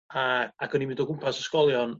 A ag o'n i mynd o gwmpas ysgolion